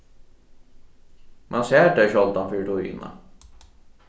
mann sær tey sjáldan fyri tíðina